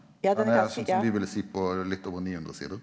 som dei ville seie på litt over 900 sider.